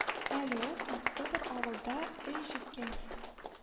Әле ул кайсыдыр авылда өй җиткәс